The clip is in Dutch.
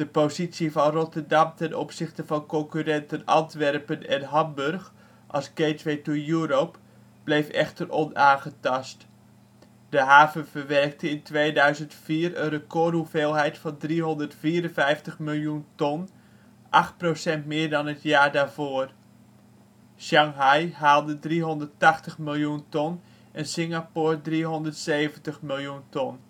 positie van Rotterdam ten opzichte van concurrenten Antwerpen en Hamburg als ' Gateway to Europe ' bleef echter onaangetast. De haven verwerkte in 2004 een recordhoeveelheid van 354 miljoen ton, 8 procent meer dan het jaar daarvoor. Sjanghai haalde 380 miljoen ton en Singapore 370 miljoen ton